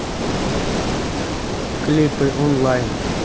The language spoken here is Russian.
клипы онлайн